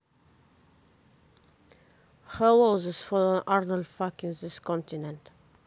hello this phone арнольд fucking this continent